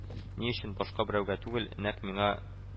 Ни өчен башка берәүгә түгел, нәкъ миңа